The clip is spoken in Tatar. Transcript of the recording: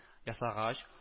Ясагач